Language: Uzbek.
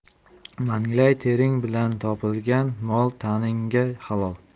manglay tering bilan topilgan mol taningga halol